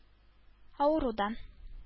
Авырудан